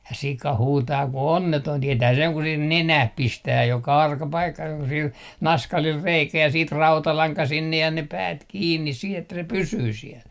ja sika huutaa kuin onneton tietää sen kun siihen nenään pistää joka arka paikka joka sillä naskalilla reikä ja sitten rautalanka sinne ja ne päät kiinni siihen että se pysyy siellä